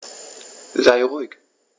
Sei ruhig.